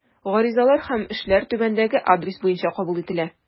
Гаризалар һәм эшләр түбәндәге адрес буенча кабул ителә.